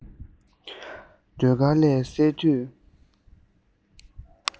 ཟློས གར ལས སད དུས